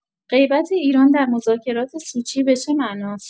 غیبت ایران در مذاکرات سوچی به چه معناست؟